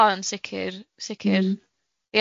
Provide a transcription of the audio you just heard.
O yn sicir sicir.